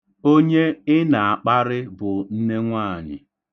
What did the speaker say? Onye ị na-akparị bụ nnenwaanyị.